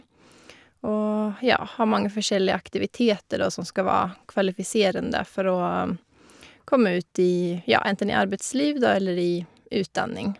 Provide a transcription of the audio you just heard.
Og, ja, ha mange forskjellige aktiviteter, da, som skal være kvalifiserende for å komme ut i, ja, enten i arbeidsliv, da, eller i utdanning.